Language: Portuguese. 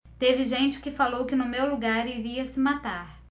teve gente que falou que no meu lugar iria se matar